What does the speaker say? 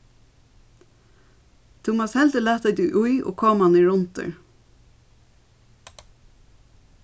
tú mást heldur lata teg í og koma niðurundir